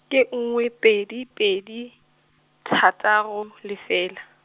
ke nngwe pedi pedi, thataro, lefela.